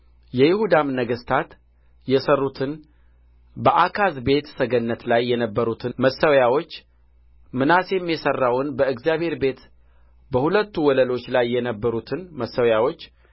የይሁዳም ነገሥታት ያሠሩትን በአካዝ ቤት ሰገነት ላይ የነበሩትን መሠዊያዎች ምናሴም ያሠራውን በእግዚአብሔር ቤት በሁለቱ ወለሎች ላይ የነበሩትን መሠዊያዎች